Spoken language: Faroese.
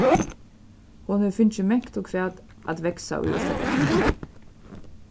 hon hevur fingið mangt og hvat at vaksa í urtagarðinum